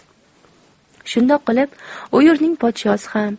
shundoq qilib u yurtning podshosi ham